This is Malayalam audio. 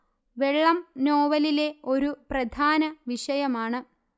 വെള്ളം നോവലിലെ ഒരു പ്രധാന വിഷയമാണ്